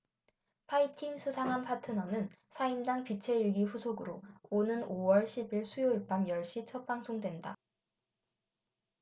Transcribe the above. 파이팅 수상한 파트너는 사임당 빛의 일기 후속으로 오는 오 월 십 일 수요일 밤 열 시 첫 방송된다